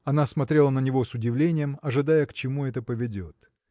Она смотрела на него с удивлением, ожидая, к чему это поведет.